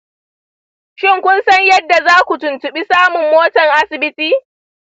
shin kun san yadda za ku tuntuɓi samun motar asibiti?